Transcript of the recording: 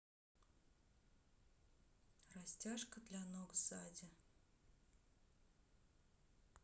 растяжка для ног сзади